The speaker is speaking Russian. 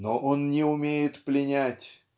-- но он не умеет пленять